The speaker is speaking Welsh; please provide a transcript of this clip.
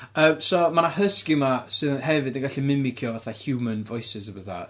Yym so mae 'na husky yma sydd hefyd yn gallu mimicio fatha human voices a bethau.